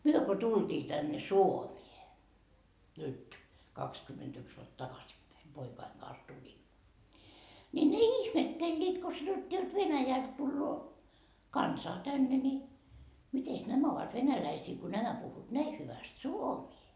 me kun tultiin tänne Suomeen nyt kaksikymmentäyksi vuotta takaisinpäin poikani kanssa tulin niin ne ihmettelivät kun sanottiin jotta Venäjältä tulee kansaa tänne niin mitenkäs nämä ovat venäläisiä kun nämä puhuvat näin hyvästi suomea